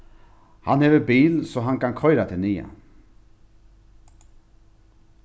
hann hevur bil so hann kann koyra teg niðan